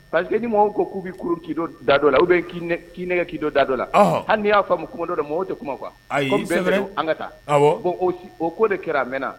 Pa que ni mɔgɔw ko k'u'i kuru k' da dɔ la u bɛ k'iɛgɛ k' dɔ da dɔ la hali ni y'a famu kuma dɔ la mɔgɔw tɛ kuma kuwa bɛn an ka taa bɔn o ko de kɛra a mɛnna